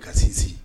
Ka sin sigi